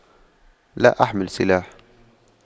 لا أحمل سلاح